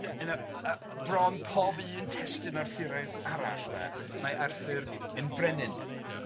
y- yna yy bron pob un testun Arthuraidd arall 'de mae Arthur yn frenin. Ia.